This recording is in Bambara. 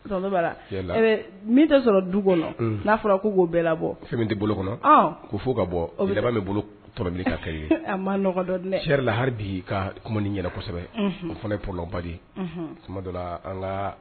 Du kɔnɔ n'a fɔra ko' bɛɛ labɔ tɛ bolo kɔnɔ' fo ka bɔ yɛrɛ bɛ bolo ka kɛ ye laha bi ka kuma ni ɲɛna kosɛbɛ o fana yeba